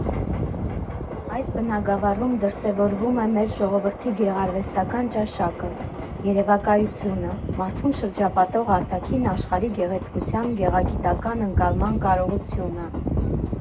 Այս բնագավառում դրսևորվում է մեր ժողովրդի գեղարվեստական ճաշակը, երևակայությունը, մարդուն շրջապատող արտաքին աշխարհի գեղեցկության գեղագիտական ընկալման կարողությունը։